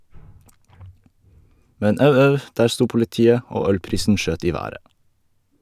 Men au, au , der sto politiet, og ølprisen skjøt i været.